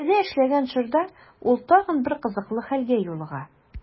Биредә эшләгән чорда ул тагын бер кызыклы хәлгә юлыга.